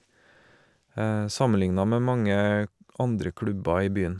Sammenligna med mange andre klubber i byen.